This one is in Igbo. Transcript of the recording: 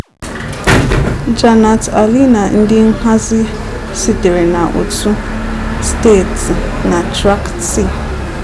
Jannat Ali na ndị nhazi sitere na òtù Sathi na Track-T.